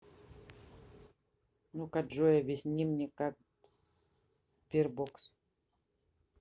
ну ка джой объясни ка мне как sberbox